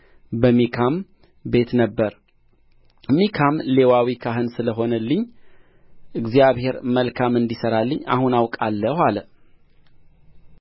በሚካም ቤት ነበረ ሚካም ሌዋዊ ካህን ስለ ሆነልኝ እግዚአብሔር መልካም እንዲሠራልኝ አሁን አውቃለሁ አለ